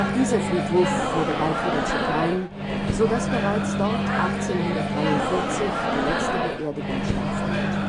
dieser Friedhof war bald wieder zu klein, sodass bereits dort 1843 die letzte Beerdigung stattfand